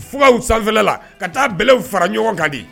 Fugw sanfɛfɛla ka taa bɛɛw fara ɲɔgɔn kan di